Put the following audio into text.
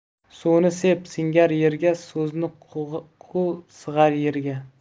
suvni sep singar yerga so'zni qu sig'ar yerga